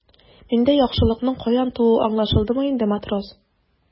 Миндә яхшылыкның каян тууы аңлашылдымы инде, матрос?